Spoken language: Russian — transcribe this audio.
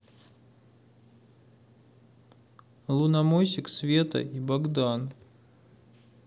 лунамосик света и богдан